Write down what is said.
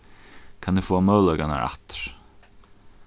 kann eg fáa møguleikarnar aftur